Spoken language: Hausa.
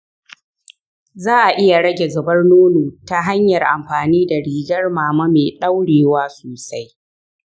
za a iya rage zubar nono ta hanyar amfani da rigar mama mai ɗaurewa sosai.